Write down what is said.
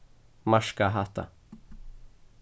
marka hatta